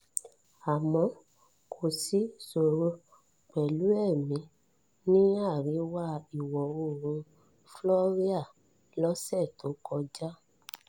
Àmọ́ kò sí ìṣòrò pẹ̀lú èémí ní àríwá-ìwọ̀-oòrùn Floria lọ́sẹ̀ tó kọjá.